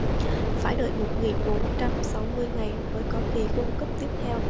phải đợi một nghìn bốn trăm sáu mươi ngày mới có kỳ world cup tiếp theo